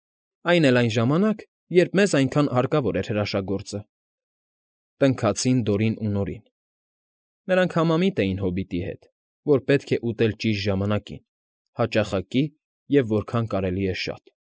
Այն էլ այն ժամանակ, երբ մեզ այնքան հարկավոր էր հրաշագործը, ֊ տնքացին Դորին ու Նորին (նրանք համամիտ էին հոբիտի հետ, որ պետք է ուտել ճիշտ ժամանակին, հաճախակի և որքան կարելի է շատ)։